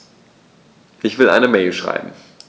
Ich will eine Mail schreiben.